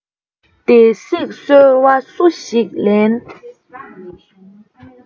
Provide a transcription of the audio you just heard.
དེ བསྲེགས སོལ བ སུ ཞིག ལེན